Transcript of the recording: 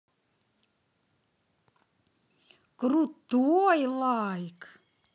крутой лайк